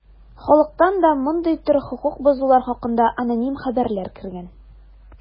Халыктан да мондый төр хокук бозулар хакында аноним хәбәрләр кергән.